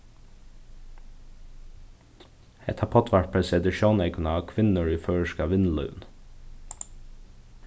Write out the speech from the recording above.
hetta poddvarpið setir sjóneykuna á kvinnur í føroyska vinnulívinum